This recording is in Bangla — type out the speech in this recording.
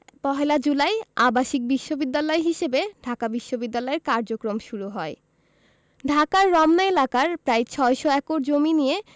পহেলা জুলাই আবাসিক বিশ্ববিদ্যালয় হিসেবে ঢাকা বিশ্ববিদ্যালয়ের কার্যক্রম শুরু হয় ঢাকার রমনা এলাকার প্রায় ৬০০ একর জমি নিয়ে